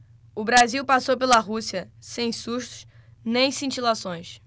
o brasil passou pela rússia sem sustos nem cintilações